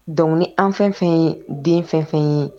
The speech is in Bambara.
Dɔnku ni an fɛn fɛn ye den fɛnfɛn ye